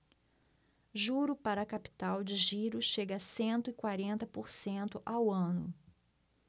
juro para capital de giro chega a cento e quarenta por cento ao ano